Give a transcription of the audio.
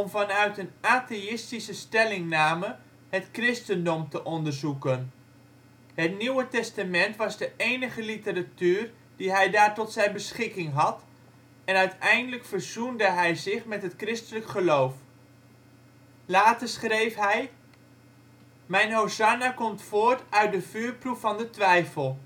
vanuit een atheïstische stellingname het christendom te onderzoeken. Het Nieuwe Testament was de enige literatuur die hij daar tot zijn beschikking had en uiteindelijk verzoende hij zich met het christelijk geloof. Later schreef hij: Mijn hosanna komt voort uit de vuurproef van de twijfel